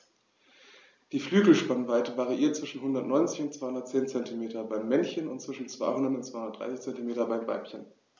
Die Flügelspannweite variiert zwischen 190 und 210 cm beim Männchen und zwischen 200 und 230 cm beim Weibchen.